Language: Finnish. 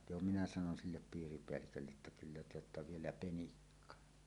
jo minä sanoin sille piiripäällikölle että kyllä te olette vielä penikka